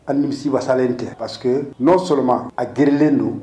An' nimisi wasalen tɛ parce que non seulement a gerelen don